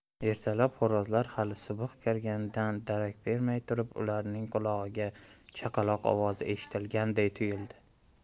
ertalab xo'rozlar hali subh kirganidan darak bermay turib ularning qulog'iga chaqaloq ovozi eshitilganday tuyuldi